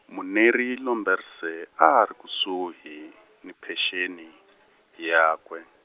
Muneri Lomberse a a ri kusuhi, ni phenxeni , yakwe.